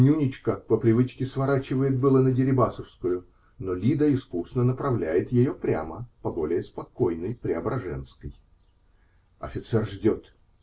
"Нюничка" по привычке сворачивает было на Дерибасовскую, но Лида искусно направляет ее прямо, по более спокойной Преображенской. Офицер ждет.